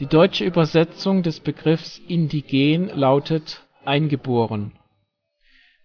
Die deutsche Übersetzung des Begriffs " indigen " lautet eingeboren.